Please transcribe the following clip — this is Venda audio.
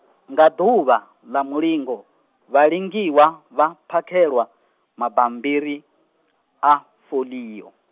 nga ḓuvha, ḽa mulingo, vhalingiwa vha phakhelwa, mabambiri, a foḽio.